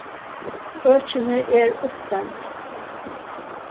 økini er uppdeild